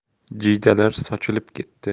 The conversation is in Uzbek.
jiydalar sochilib ketdi